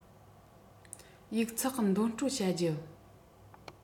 ཡིག ཚགས འདོན སྤྲོད བྱ རྒྱུ